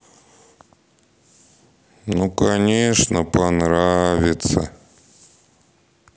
ну конечно понравится